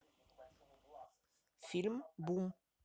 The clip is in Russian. фильм бум